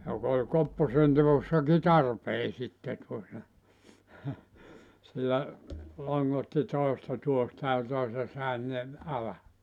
joka oli kopposenteossakin tarpeen sitten tuota sillä longotti toista tuohta ja toisen tänne alle